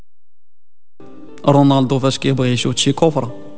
رونالدو